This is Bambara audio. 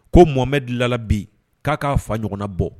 Ko mɔmɛ dilanla la bi k'a k'a fa ɲɔgɔnna bɔ